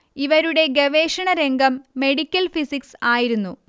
ഇവരുടെ ഗവേഷണ രംഗം മെഡിക്കൽ ഫിസിക്സ് ആയിരുന്നു